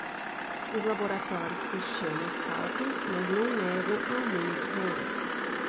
os laboratórios questionam os cálculos mas não negam aumentos reais